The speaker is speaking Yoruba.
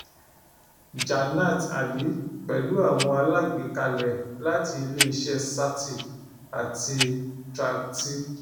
Jannat Ali Pẹ̀lú àwọn alágbèékalẹ̀ láti ilé-iṣẹ́ Sathi àti Track-T.